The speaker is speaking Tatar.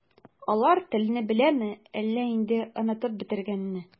Алар телне беләме, әллә инде онытып бетергәнме?